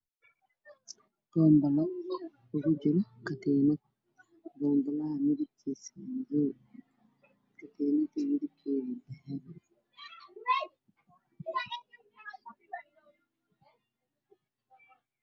Boombalo ugu jirto catiinad ka timaada midigteedu waa caddaan boombalaanu waa madow